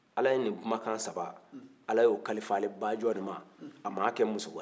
ala ye nin kumakan saba ale ye o kalifa ale bajɔ de ma a m'a kɛ muso wɛrɛ ye